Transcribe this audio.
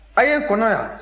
a'ye n kɔnɔ yan